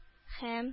Һәм